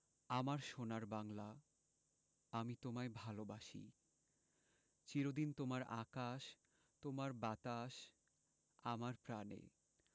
আমার সোনার বাংলা আমি তোমায় ভালোবাসি চির দিন তোমার আকাশ তোমার বাতাস আমার প্রাণে